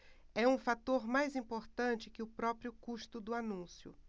é um fator mais importante que o próprio custo do anúncio